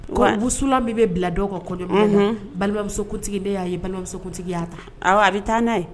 Busla min bɛ bila dɔw kan kɔ balimamusotigi ne' ye balimamusotigi'a a bɛ taa n'a ye